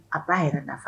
A baa yɛrɛ nafa